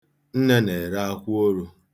Nne na-ere akwụoru.